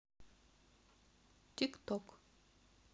tiktok